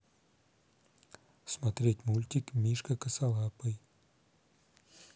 смотреть мультик мишка косолапый